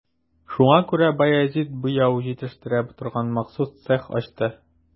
Шуңа күрә Баязит буяу җитештерә торган махсус цех ачты.